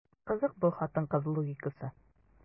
Кызык бу хатын-кыз логикасы.